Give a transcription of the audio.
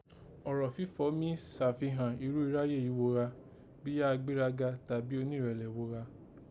Ọ̀rọ̀ fífò mí sàfihàn irú iráyé yìí gho gha, bíyá agbéraga tàbí onírẹ̀lẹ̀ gho gha